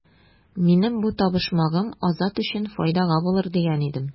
Минем бу табышмагым Азат өчен файдага булыр дигән идем.